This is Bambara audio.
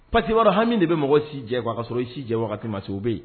Parce que i b'a dɔn hami de be mɔgɔ si jɛ quoi ka sɔrɔ i si jɛ wagati ma se o be ye